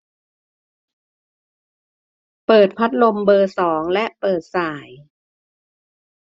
เปิดพัดลมเบอร์สองและเปิดส่าย